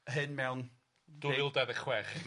hyn mewn... Dwy fil dau ddeg chwech...